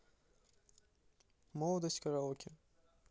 молодость караоке